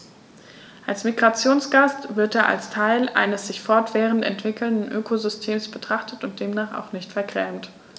Als Migrationsgast wird er als Teil eines sich fortwährend entwickelnden Ökosystems betrachtet und demnach auch nicht vergrämt.